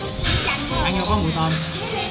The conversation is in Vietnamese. ăn vô có mùi tôm